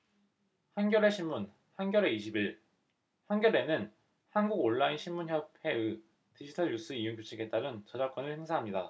한겨레신문 한겨레 이십 일 한겨레는 한국온라인신문협회의 디지털뉴스이용규칙에 따른 저작권을 행사합니다